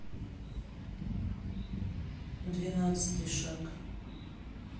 двенадцатый шаг